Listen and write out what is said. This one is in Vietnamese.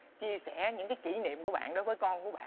chia sẻ những cái kỷ niệm của bạn đối với con của bạn